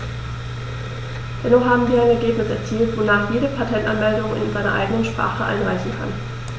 Dennoch haben wir ein Ergebnis erzielt, wonach jeder Patentanmeldungen in seiner eigenen Sprache einreichen kann.